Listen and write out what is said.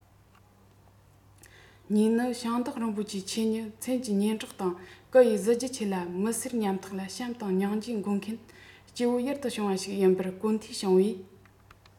གཉིས ནི ཞིང བདག རིན པོ ཆེ ཁྱེད ཉིད མཚན གྱི སྙན གྲགས དང སྐུ ཡི གཟི བརྗིད ཆེ ལ མི སེར ཉམ ཐག ལ བྱམས དང སྙིང རྗེ དགོངས མཁན སྐྱེ བོ ཕུལ དུ བྱུང ཞིག ཡིན པར གོ ཐོས བྱུང བས